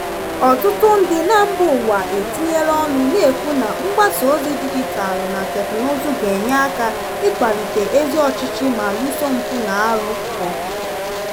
Ọtụtụ ndị na mba ụwa etinyela ọnụ na-ekwu na mgbasaozi dijitalụ na teknụzụ ga-enye aka ịkwalite ezi ọchịchị ma lụso mpụ na arụ ọgụ.